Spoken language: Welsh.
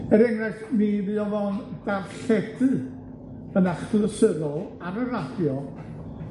Er enghraifft, mi fuodd o'n darlledu yn achlysurol ar y radio